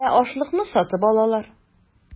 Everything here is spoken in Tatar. Ә ашлыкны сатып алалар.